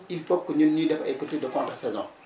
il faut que ñun ñuy def ay culture de contresaison